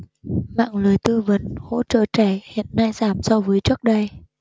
mạng lưới tư vấn hỗ trợ trẻ hiện nay giảm so với trước đây